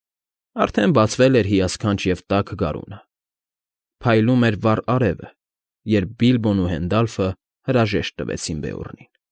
Արդեն բացվել էր հիասքանչ և տաք գարունը, փայլում էր վառ արևը, երբ Բիլբոն և Հենդալֆը հրաժեշտ տվեցին Բեորնին։